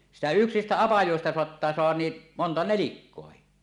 sitä yksistä apajista saattaa saada niin monta nelikkoakin